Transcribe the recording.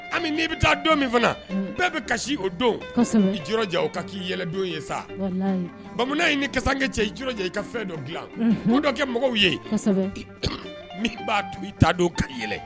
Ami n'i bɛ taa don min fana bɛɛ b'i kasi o don i jirɔja o ka k'i yɛlɛ don ye saa. Bamunan in ni kasange cɛ i jirɔja i ka fɛn dɔ dilan. Ko dɔ kɛ mɔgɔw ye min b'a to i taa don ka yɛlɛ.